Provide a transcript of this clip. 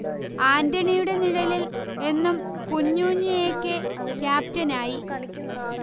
ആന്റണിയുടെ നിഴലിൽ എന്നും കുഞ്ഞൂഞ്ഞ് എ. കെ. ക്യാപ്റ്റനായി